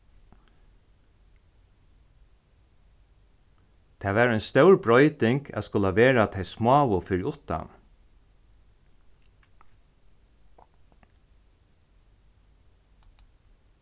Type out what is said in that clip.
tað var ein stór broyting at skula vera tey smáu fyri uttan